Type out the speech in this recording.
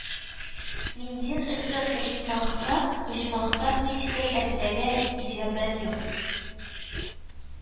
Миндин өстен уштмахка оҖмахка һич кем әрсәгә иҖабэт юк